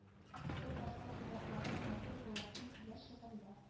Төп басма китаплары матур буласым килә шигырьләр